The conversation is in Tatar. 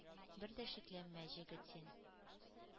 — бер дә шикләнмә, җегет, син;